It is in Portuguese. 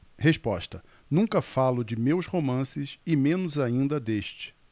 resposta nunca falo de meus romances e menos ainda deste